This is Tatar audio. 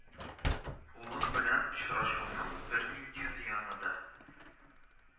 Улым белән очрашуның бернинди зыяны да